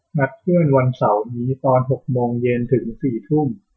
นัดเพื่อนวันเสาร์นี้ตอนหกโมงเย็นถึงสี่ทุ่ม